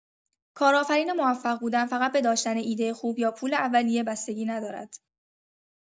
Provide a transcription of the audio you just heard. کارآفرین موفق بودن فقط به داشتن ایده خوب یا پول اولیه بستگی ندارد.